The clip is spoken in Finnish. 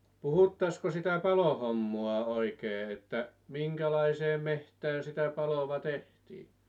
puhuttaisiinko sitä palohommaa oikein että minkälaiseen metsään sitä paloa tehtiin